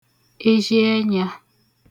ezhi ẹnyā